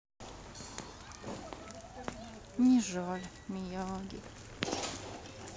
не жаль miyagi